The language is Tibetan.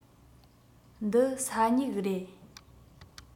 འདི ས སྨྱུག རེད